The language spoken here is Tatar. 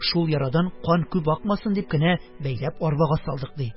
Шул ярадан кан күп акмасын дип кенә бәйләп арбага салдык, - ди.